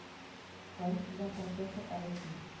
Каян килгән профессор әле син